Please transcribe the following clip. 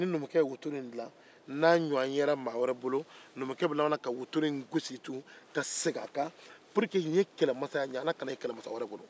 ni numukɛ ye wotoro in dila n'a ɲɔgɔn yera maa wɛrɛ bolo a bɛ tila ka segin a kan walasa a ɲɔgɔn kana ye kɛlɛmasa wɛrɛ bolo